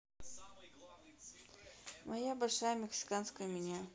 моя большая мексиканская меня